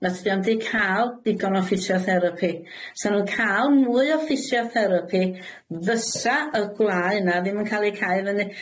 na tydi o'm 'di ca'l digon o physiotherapy. Sa nw'n ca'l mwy o physiotherapy, fysa y gwlâu yna ddim yn ca'l 'u cau fyny.